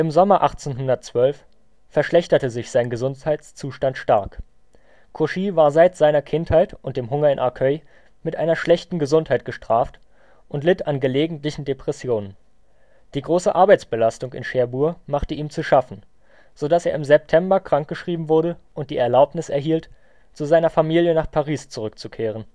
Sommer 1812 verschlechterte sich sein Gesundheitszustand stark. Cauchy war seit seiner Kindheit und dem Hunger in Arcueil mit einer schlechten Gesundheit gestraft und litt an gelegentlichen Depressionen. Die große Arbeitsbelastung in Cherbourg machte ihm zu schaffen, so dass er im September krank geschrieben wurde und die Erlaubnis erhielt, zu seiner Familie nach Paris zurückzukehren